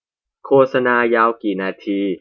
โฆษณายาวกี่นาที